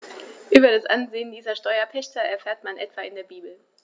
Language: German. Über das Ansehen dieser Steuerpächter erfährt man etwa in der Bibel.